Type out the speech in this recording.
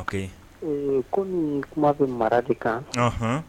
Ee komi Kuma be mara de kan ɔnhɔn